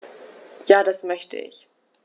Ja, das möchte ich.